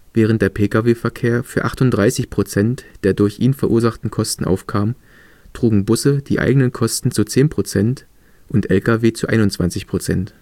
Während der Pkw-Verkehr für 38 % der durch ihn verursachten Kosten aufkam, trugen Busse die eigenen Kosten zu 10 % und Lkw zu 21 %